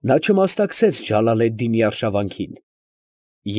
Նա չմասնակցեց Ջալալեդդինի արշավանքին։